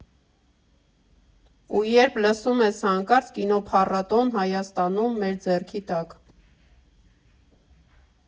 Ու երբ լսում ես հանկարծ կինոփառատո՜ն, Հայաստանու՜մ, մեր ձեռքի տա՜կ…